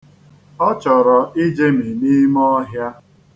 Ọ chọrọ ijemi n'ime ọhịa.